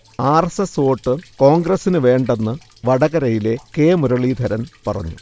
R. S. S. Vote കോൺഗ്രസിന് വേണ്ടെന്ന് വടകരയിലെ കെ. മുരളീധരൻ പറഞ്ഞു